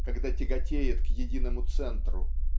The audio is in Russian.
когда тяготеет к единому центру